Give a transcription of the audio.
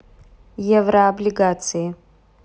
еврооблигации